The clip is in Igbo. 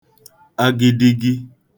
agididi